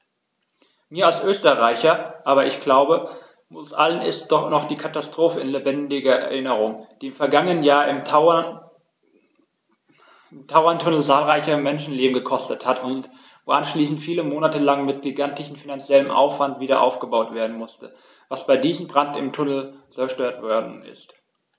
Mir als Österreicher, aber ich glaube, uns allen ist noch die Katastrophe in lebendiger Erinnerung, die im vergangenen Jahr im Tauerntunnel zahlreiche Menschenleben gekostet hat und wo anschließend viele Monate lang mit gigantischem finanziellem Aufwand wiederaufgebaut werden musste, was bei diesem Brand im Tunnel zerstört worden ist.